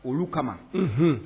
Olu kama h